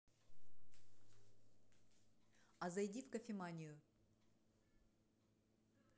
а зайди в кофеманию